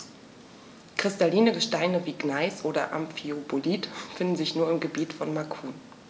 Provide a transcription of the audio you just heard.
Kristalline Gesteine wie Gneis oder Amphibolit finden sich nur im Gebiet von Macun.